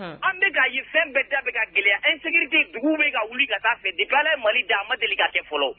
An bɛ k'a ye fɛn bɛɛ da bɛ ka gɛlɛya insécurité duguw bɛ ka wuli ka ta'a fɛ depuis Ala ye Mali da a ma deli ka fɛ fɔlɔ